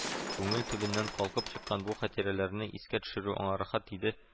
Күңел төбеннән калкып чыккан бу хатирәләрне искә төшерү аңа рәхәт иде